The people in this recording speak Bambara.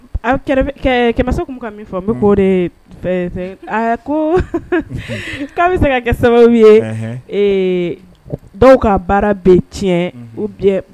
Kɛmɛ ka min fɔ bɛ ko de a ko k'a bɛ se ka kɛ sababu ye dɔw ka baara bɛ tiɲɛ u